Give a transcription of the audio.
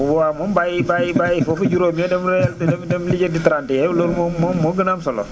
bu boobaa moom bàyyi bàyyi bàyyi foofu juróom ya dem dem lijanti 30 ya loolu moom moo gën a am solo